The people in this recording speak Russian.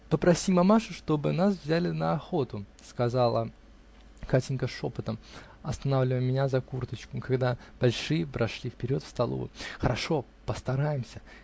-- Попроси мамашу, чтобы нас взяли на охоту, -- сказала Катенька шепотом, останавливая меня за курточку, когда большие прошли вперед в столовую. -- Хорошо, постараемся.